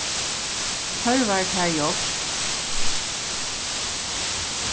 tørvar tær hjálp